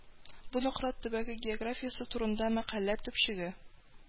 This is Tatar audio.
Бу Нократ төбәге географиясе турында мәкалә төпчеге